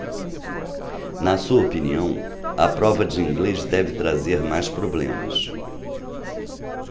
na sua opinião a prova de inglês deve trazer mais problemas